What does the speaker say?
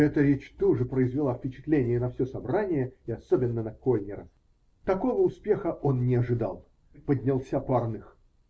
Эта речь тоже произвела впечатление на все собрание и особенно на Кольнера. Такого успеха он не ожидал. Поднялся Парных.